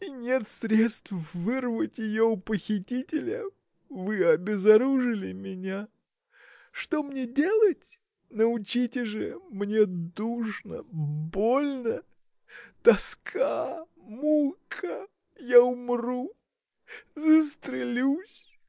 И нет средств вырвать ее у похитителя: вы обезоружили меня. что мне делать? научите же! Мне душно, больно. тоска, мука! я умру. застрелюсь.